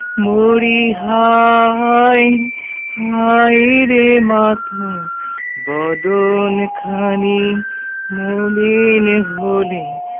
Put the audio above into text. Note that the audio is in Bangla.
মরিহায় হায়রে মা তোর বদন খানি মলিন হলে